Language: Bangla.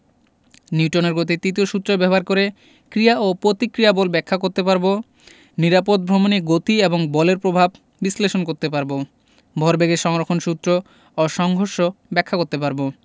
নিউটনের গতির তৃতীয় সূত্র ব্যবহার করে ক্রিয়া ও প্রতিক্রিয়া বল ব্যাখ্যা করতে পারব নিরাপদ ভ্রমণে গতি এবং বলের প্রভাব বিশ্লেষণ করতে পারব ভরবেগের সংরক্ষণ সূত্র ও সংঘর্ষ ব্যাখ্যা করতে পারব